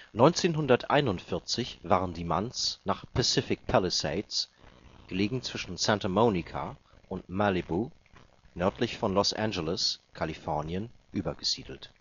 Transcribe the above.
1941 waren die Manns nach Pacific Palisades, gelegen zwischen Santa Monica und Malibu, nördlich von Los Angeles/Kalifornien, übergesiedelt